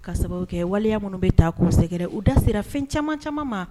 Ka sababu kɛ waliya minnu bɛ taa kuru sɛgɛrɛ u da sera fɛn caman caman ma